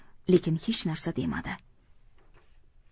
lekin hech narsa demadi